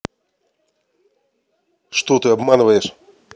ты что обманываешь